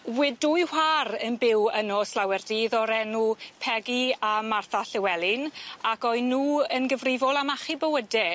We' dwy whar yn byw yno slawer dydd o'r enw Peggy a Martha Llewelyn ac oe' nw yn gyfrifol am achub bywyde.